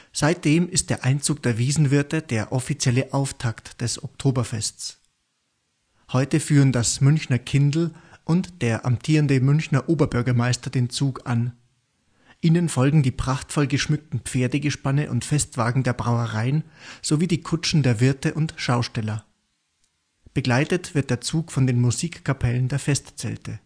Seitdem ist der Einzug der Wiesnwirte der offizielle Auftakt des Oktoberfests. Heute führen das Münchner Kindl und der amtierende Münchner Oberbürgermeister den Zug an. Ihnen folgen die prachtvoll geschmückten Pferdegespanne und Festwagen der Brauereien sowie die Kutschen der Wirte und Schausteller. Begleitet wird der Zug von den Musikkapellen der Festzelte